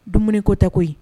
Dumuni ko tɛ koyi